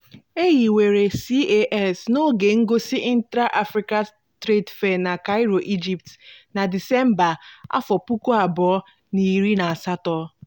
E hiwere CAX n'oge ngosi Intra Africa Trade Fair na Cairo, Egypt, na Disemba 2018.